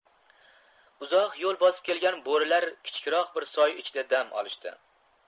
uzoq yo'l bosib kelgan bo'rilar kichikroq bir soy ichida dam olishdi